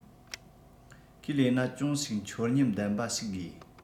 ཁས ལེན ན ཅུང ཞིག མཆོར ཉམས ལྡན པ ཞིག དགོས